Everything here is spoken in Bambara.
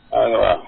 Ayiwa